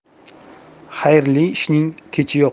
xayrli ishning kechi yo'q